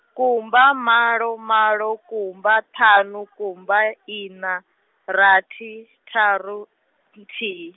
kumba malo malo kumba ṱhanu kumba ina, rathi, ṱharu, nthihi.